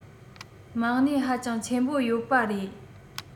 མ གནས ཧ ཅང ཆེན པོ ཡོད པ རེད